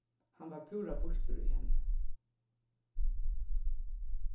hann var púra býttur í henni